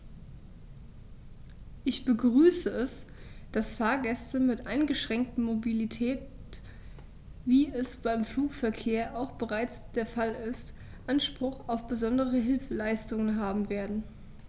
Ich begrüße es, dass Fahrgäste mit eingeschränkter Mobilität, wie es beim Flugverkehr auch bereits der Fall ist, Anspruch auf besondere Hilfeleistung haben werden.